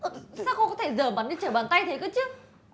ơ sao cô có thể trở mặt như trở bàn tay thế cơ chứ